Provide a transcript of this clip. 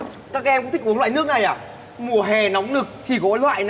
các em cũng thích uống loại nước này à mùa hè nóng nực chỉ có loại